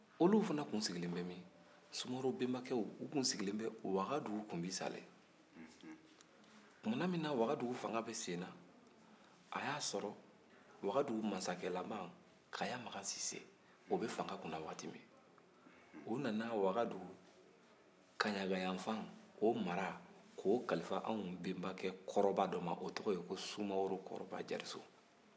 olu fana tun sigilen bɛ min sumaworo bɛnbakɛw o tun sigilen bɛ wagadu kunbi sale tumana min wagadu fanga bɛ senna a y'a sɔrɔ wagadu masakɛ kaya magan sise o tun tɛ fanga kunna waati min u nana wagadu kaɲagayanfan o mara k'o kalifa anw bɛnbakɛ kɔrɔba dɔ ma o tɔgɔ ye sumaworo kɔrɔba jariso